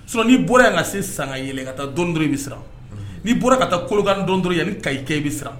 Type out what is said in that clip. So n'i bɔra yan ka se san ka yɛlɛ ka taa dɔn bɛ siran n'i bɔra ka taa kolokan dɔn dɔrɔn yan kakɛ i bɛ siran